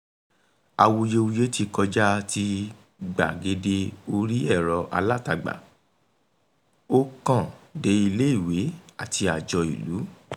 Awuyewuye ti kọjáa ti gbàgede orí ẹ̀rọ-alátagbà, ó kàn dé ilé-ìwé àti àjọ ìlú.